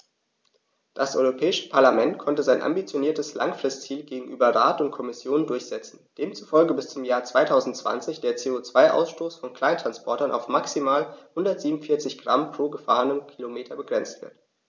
Das Europäische Parlament konnte sein ambitioniertes Langfristziel gegenüber Rat und Kommission durchsetzen, demzufolge bis zum Jahr 2020 der CO2-Ausstoß von Kleinsttransportern auf maximal 147 Gramm pro gefahrenem Kilometer begrenzt wird.